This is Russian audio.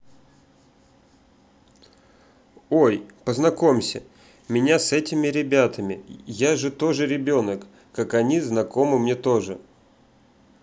ой познакомься меня с этими ребятами я же тоже ребенок как они знакомы мне тоже